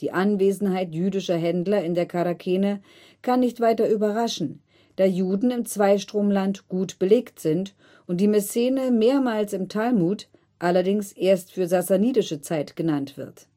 Anwesenheit jüdischer Händler in der Charakene kann nicht weiter überraschen, da Juden im Zweistromland gut belegt sind und die Messene mehrmals im Talmud, allerdings erst für sassanidische Zeit, genannt wird